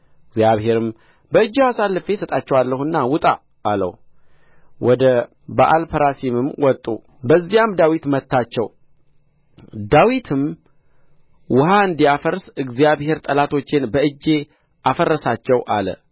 እግዚአብሔርም በእጅህ አሳልፌ እሰጣቸዋለሁና ውጣ አለው ወደ በአልፐራሲም ወጡ በዚያም ዳዊት መታቸው ዳዊትም ውኃ እንዲያፈርስ እግዚአብሔር ጠላቶቼን በእጄ አፈረሳቸው አለ